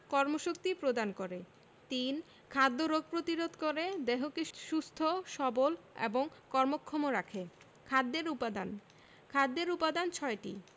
কর্মশক্তি প্রদান করে ৩. খাদ্য রোগ প্রতিরোধ করে দেহকে সুস্থ সবল এবং কর্মক্ষম রাখে খাদ্যের উপাদান খাদ্যের উপাদান ছয়টি